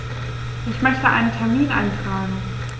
Ich möchte einen Termin eintragen.